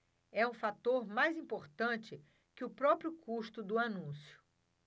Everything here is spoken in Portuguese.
é um fator mais importante que o próprio custo do anúncio